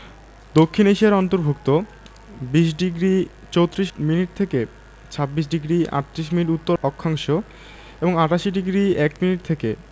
দক্ষিণ এশিয়ার অন্তর্ভুক্ত ২০ডিগ্রি ৩৪ মিনিট থেকে ২৬ ডিগ্রি ৩৮ মিনিট উত্তর অক্ষাংশ এবং ৮৮ ডিগ্রি ০১ মিনিট থেকে